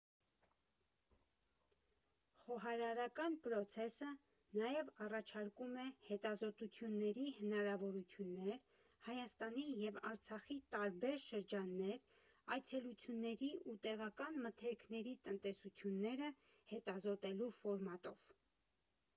Խոհարարական պրոցեսը նաև առաջարկում է հետազոտությունների հնարավորություններ՝ Հայաստանի և Արցախի տարբեր շրջաններ այցելությունների ու տեղական մթերքներն ու տնտեսությունները հետազոտելու ֆորմատով։